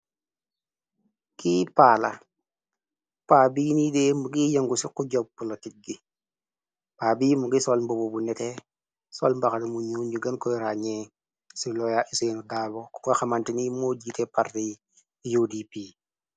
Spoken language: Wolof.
Ki paala pa bii nii dee mu gi yëngu ci xu jopp la tik gi pa bi mu gi sol mbobo bu nete sool mbaxal mu ñu ñu gën koy raññee ci looya iseen gaabo ko ko xamanti ni moo jiite parrey udp.